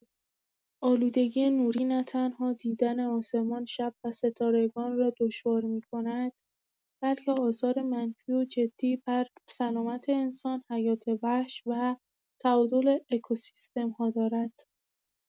آلودگی نوری نه‌تنها دیدن آسمان شب و ستارگان را دشوار می‌کند، بلکه آثار منفی جدی بر سلامت انسان، حیات‌وحش و تعادل اکوسیستم‌ها دارد.